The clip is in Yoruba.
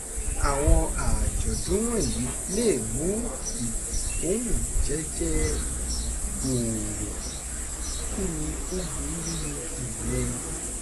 Àwọn àjọ̀dún wọ̀nyí lè mú ìkóúnjẹjẹ gbòòrò, kí ni ó burú nínú ìyẹn?